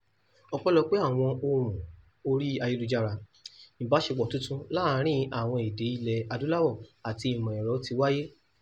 Ọpẹ́lọpẹ́ àwọn ohùn orí ayélujára, àjọṣepọ̀ tuntun láàárín àwọn èdè ilẹ̀ Adúláwọ̀ àti ìmọ̀-ẹ̀rọ ti wáyé.